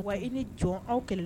Baba i ni jɔn anw kɛlɛ